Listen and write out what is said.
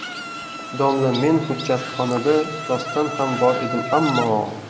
domla men hujjatxonada rostdan ham bor edim ammo